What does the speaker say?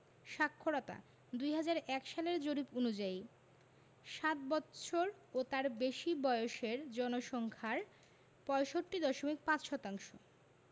সাক্ষরতাঃ ২০০১ সালের জরিপ অনুযায়ী সাত বৎসর ও তার বেশি বয়সের জনসংখ্যার ৬৫.৫ শতাংশ